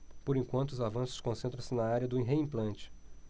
por enquanto os avanços concentram-se na área do reimplante